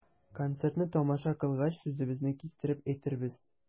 Концертны тамаша кылгач, сүзебезне кистереп әйтербез.